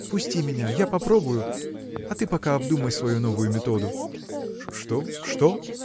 Пусти меня: я попробую, а ты пока обдумай свою новую методу. – Что, что?